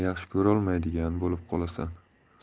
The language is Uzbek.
yaxshi ko'rolmaydigan bo'lib qolasan